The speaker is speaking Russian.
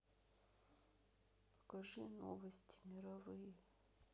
покажи новости мировые